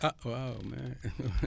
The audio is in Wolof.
ah waaw